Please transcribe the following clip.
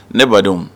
Ne badenw